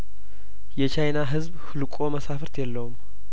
የቻይና ህዝብሁ ልቆ መሳፍርት የለውም